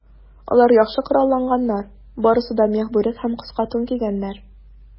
Алар яхшы коралланганнар, барысы да мех бүрек һәм кыска тун кигәннәр.